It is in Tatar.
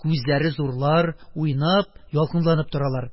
Күзләре зурлар, уйнап, ялкынланып торалар.